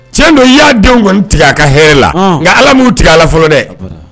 Cɛn don i ya denw kɔni tigɛ a ka kɛra la . Nga ala mu tigɛ a la fɔlɔ dɛ.